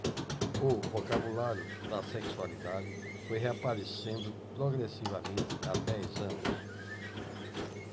o vocabulário da sexualidade foi reaparecendo progressivamente há dez anos